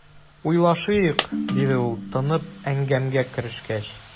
"уйлашыйк", - диде ул, тынып, әңгәмәгә керешкәч.